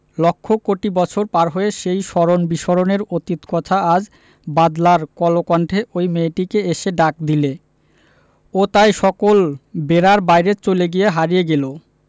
লক্ষ কোটি বছর পার হয়ে সেই স্মরণ বিস্মরণের অতীত কথা আজ বাদলার কলকণ্ঠে ঐ মেয়েটিকে এসে ডাক দিলে ও তাই সকল বেড়ার বাইরে চলে গিয়ে হারিয়ে গেল